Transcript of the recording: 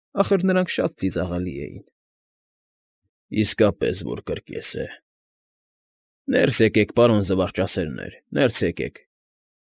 Ախր նրանք շատ ծիծաղելի էին… ֊ Իսկապես որ կրկես է,֊ Ներս եկեք, պարոն զվարճասերներ, ներս եկեք։